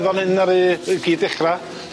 ...fan 'yn ddaru nw gyd dechra.